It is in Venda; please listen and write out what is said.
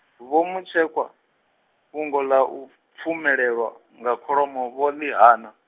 Vho Mutshekwa, fhungo ḽa u, pfumelelwa, nga kholomo vho ḽi hana.